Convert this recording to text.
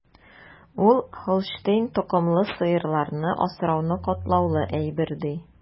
Ул Һолштейн токымлы сыерларны асрауны катлаулы әйбер, ди.